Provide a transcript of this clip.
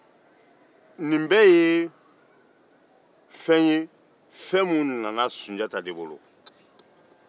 nin bɛɛ ye fɛn ye minnu nana sunjata bolo